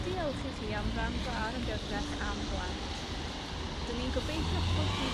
Diolch i chi am wrando ar y gyfres am blant 'dyn ni'n gobeithio'ch bod chi